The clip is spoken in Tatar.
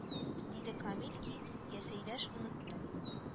Диде Камил ки, йа Сәйдәш, оныттым